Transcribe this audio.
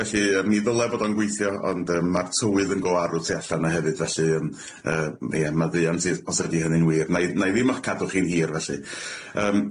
Ffelly yy mi ddyla fod o'n gweithio, ond yym ma'r tywydd yn go arw tu allan na hefyd, felly yym yy ie maddeuant sydd os ydi hynny'n wir, nai nai ddim cadw chi'n hir felly yym.